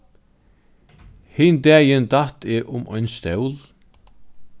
hin dagin datt eg um ein stól